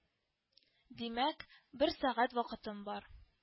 Димәк, бер сәгать вакытым бар